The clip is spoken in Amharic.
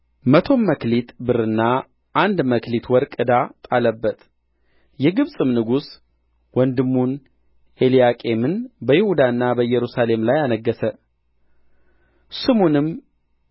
መቶም መክሊት ብርና አንድ መክሊት ወርቅ ዕዳ ጣለበት የግብጽም ንጉሥ ወንድሙን ኤልያቄምን በይሁዳና በኢየሩሳሌም ላይ አነገሠ ስሙንም